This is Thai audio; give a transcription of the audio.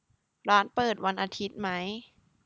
ร้านเปิดวันอาทิตย์ไหม